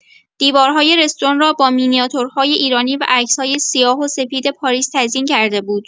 دیوارهای رستوران را با مینیاتورهای ایرانی و عکس‌های سیاه و سفید پاریس تزئین کرده بود.